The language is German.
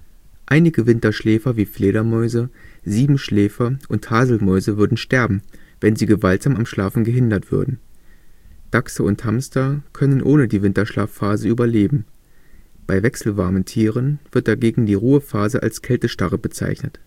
Einige Winterschläfer wie Fledermäuse, Siebenschläfer und Haselmäuse würden sterben, wenn sie gewaltsam am Schlafen gehindert würden. Dachse und Hamster können ohne die Winterschlafphase überleben. Bei wechselwarmen Tieren wird dagegen die Ruhephase als Kältestarre bezeichnet